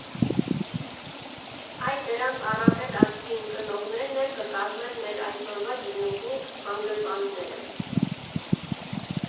Այ դրանց առավել աչքի ընկնողներն էլ կկազմեն մեր այսօրվա «գինուղու» հանգրվանները։